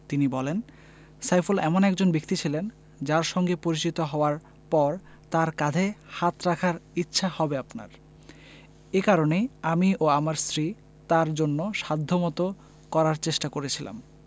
তিনি বলেন সাইফুল এমন একজন ব্যক্তি ছিলেন যাঁর সঙ্গে পরিচিত হওয়ার পর তাঁর কাঁধে হাত রাখার ইচ্ছা হবে আপনার এ কারণেই আমি ও আমার স্ত্রী তাঁর জন্য সাধ্যমতো করার চেষ্টা করেছিলাম